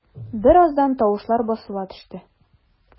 Бераздан тавышлар басыла төште.